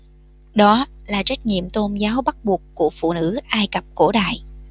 đó là trách nhiệm tôn giáo bắt buộc của phụ nữ ai cập cổ đại